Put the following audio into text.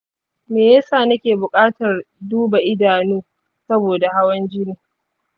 me ya sa nake buƙatar duba idanu saboda hawan jini?